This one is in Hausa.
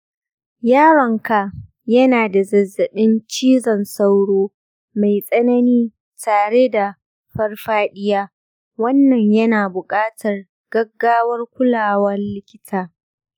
yaronka yana da zazzaɓin cizon sauro mai tsanani tare da farfaɗiya, wannan yana buƙatar gaggawar kulawar likita.